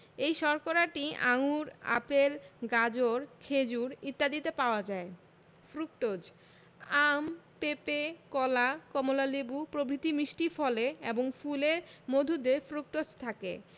এই শর্করাটি আঙুর আপেল গাজর খেজুর ইত্যাদিতে পাওয়া যায় ফ্রুকটোজ আম পেপে কলা কমলালেবু প্রভৃতি মিষ্টি ফলে এবং ফুলের মধুতে ফ্রুকটোজ থাকে